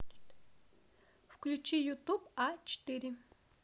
включи ютуб а четыре